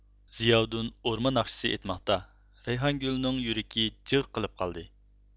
زىياۋۇدۇن ئورما ناخشىسى ئېيتماقتا رەيھانگۈلنىڭ يۈرىكى جىغ قىلىپ قالدى